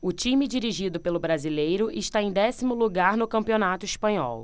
o time dirigido pelo brasileiro está em décimo lugar no campeonato espanhol